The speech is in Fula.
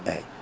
eyyi